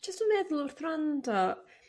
Jyst yn meddwl wrth wrando